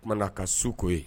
O kumana ka su ko yen.